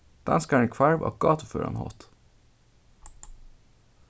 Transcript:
danskarin hvarv á gátuføran hátt